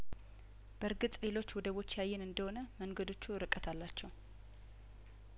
በርግጥ ሌሎች ወደቦች ያየን እንደሆነ መንገዶቹ እርቀት አላቸው